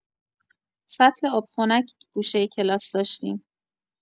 سطل آب خنک گوشه کلاس داشتیم.